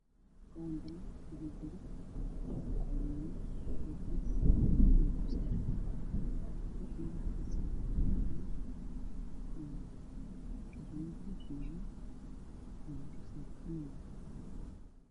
Waa saako midadkeedu yahay madow buluu waxa ay taallaa xarumo waxa ay suran tahay boombalo